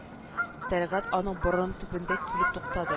Тәлгат аның борын төбендә килеп туктады